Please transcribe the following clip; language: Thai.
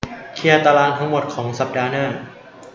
เคลียร์ตารางทั้งหมดของสัปดาห์หน้า